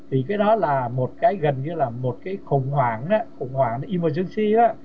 thì cái đó là một cái gần như là một kẻ khủng hoảng đại khủng hoảng i mờ gen ci á